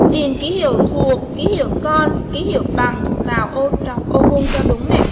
điền ký hiệu thuộc ký hiệu cơ ký hiệu bằng vào ô trống ô vuông cho đúng